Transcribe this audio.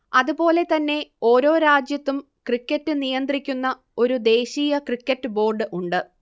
അതുപോലെതന്നെ ഓരോ രാജ്യത്തും ക്രിക്കറ്റ് നിയന്ത്രിക്കുന്ന ഒരു ദേശീയ ക്രിക്കറ്റ് ബോർഡ് ഉണ്ട്